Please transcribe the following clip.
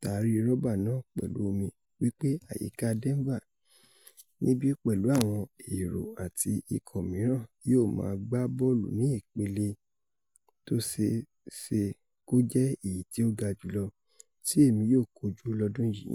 taari rọ́bà náà pẹ̀lú ìmọ̀ wí pé àyíká Denver níbí pẹ̀lú àwọn èrò àti ikọ̀ mìíràn yóò maá gba bọ́ọ̀lù ní ipele tóṣeé ṣe kójẹ́ èyití ó ga jùlọ ti emi yóò kojú lọ́dún yìí.